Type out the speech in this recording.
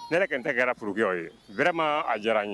Ne tun tɛ goro ye wɛrɛma a diyara n ye